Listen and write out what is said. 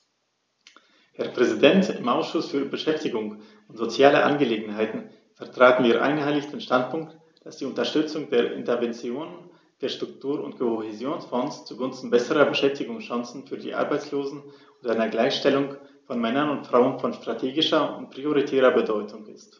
Herr Präsident, im Ausschuss für Beschäftigung und soziale Angelegenheiten vertraten wir einhellig den Standpunkt, dass die Unterstützung der Interventionen der Struktur- und Kohäsionsfonds zugunsten besserer Beschäftigungschancen für die Arbeitslosen und einer Gleichstellung von Männern und Frauen von strategischer und prioritärer Bedeutung ist.